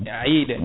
ɗe a yide